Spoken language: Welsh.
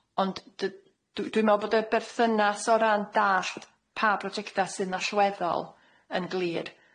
Ond d- dw- dwi me'wl bod y berthynas o ran dalld pa brojecta' sydd yn allweddol yn glir.